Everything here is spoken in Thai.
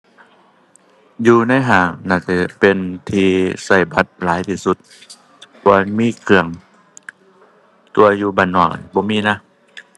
อยู่ในห้างน่าจะเป็นที่ใช้บัตรหลายที่สุด เพราะว่ามีเครื่อง แต่ว่าอยู่บ้านนอกนี่บ่มีนะ